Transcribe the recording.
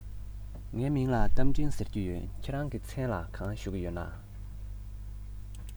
ངའི མིང ལ རྟ མགྲིན ཟེར གྱི ཡོད ཁྱེད རང གི མཚན ལ གང ཞུ གི ཡོད ན